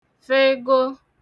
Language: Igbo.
fego